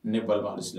Ne balima halisilamɛw.